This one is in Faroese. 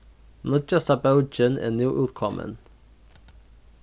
nýggjasta bókin er nú útkomin